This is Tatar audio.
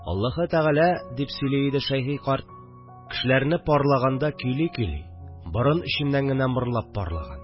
Аллаһы тәгалә, дип сөйли иде Шәйхи карт, кешеләрне парлаганда көйли-көйли, борын эченнән генә мырлап парлаган